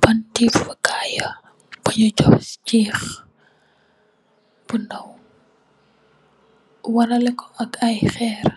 Banti papaya bun gi si birr bu ndaw nu worareko ak ai herr